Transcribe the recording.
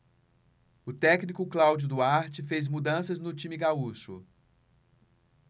o técnico cláudio duarte fez mudanças no time gaúcho